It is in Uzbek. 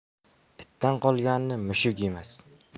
itdan qolganini mushuk yemas